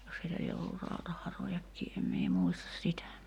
jos heillä lie ollut rautaharojakin en minä muista sitä